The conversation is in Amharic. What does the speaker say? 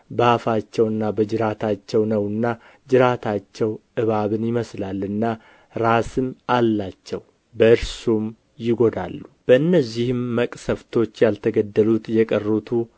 በአፋቸውና በጅራታቸው ነውና ጅራታቸው እባብን ይመስላልና ራስም አላቸው በእርሱም ይጐዳሉ በእነዚህም መቅሠፍቶች ያልተገደሉት የቀሩቱ